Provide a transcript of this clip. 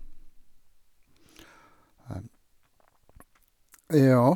Ja.